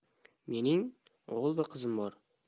mening o'g'il va qizim bor